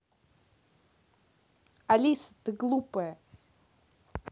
алиса ты глупая